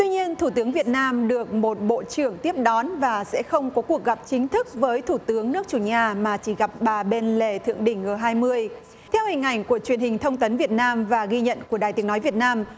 tuy nhiên thủ tướng việt nam được một bộ trưởng tiếp đón và sẽ không có cuộc gặp chính thức với thủ tướng nước chủ nhà mà chỉ gặp bà bên lề thượng đỉnh gờ hai mươi theo hình ảnh của truyền hình thông tấn việt nam và ghi nhận của đài tiếng nói việt nam